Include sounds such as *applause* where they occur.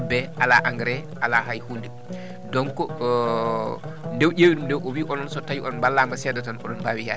jabbe alaa engrais ala hay hunde donc *hesitation* nde o ƴewi ɗum nde o wi onoon so tawi on ballama seeɗa tan oɗon mbaawi yaade